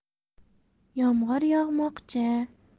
yomg'ir yog'moqchi